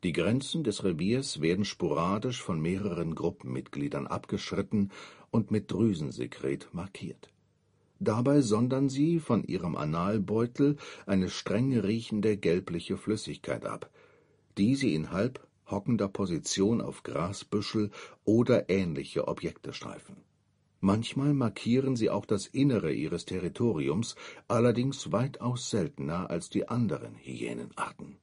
Grenzen des Reviers werden sporadisch von mehreren Gruppenmitgliedern abgeschritten und mit Drüsensekret markiert. Dabei sondern sie von ihrem Analbeutel eine streng riechende, gelbliche Flüssigkeit ab, die sie in halb hockender Position auf Grasbüschel oder ähnliche Objekte streifen. Manchmal markieren sie auch das Innere ihres Territoriums, allerdings weitaus seltener als die anderen Hyänenarten